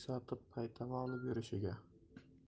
sotib paytava olib yurishiga